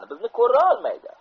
bizni ko'rolmaydi